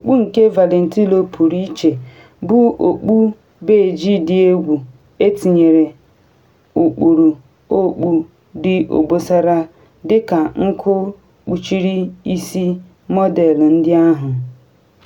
Okpu nke Valentino pụrụ iche bụ okpu beji dị egwu etinyere okpuru okpu dị obosara dị ka nku kpuchiri isi model ndị ahụ.